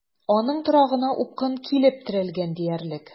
Аның торагына упкын килеп терәлгән диярлек.